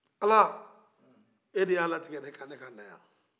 ala e de ye a latigɛ ne kan ne ka na yan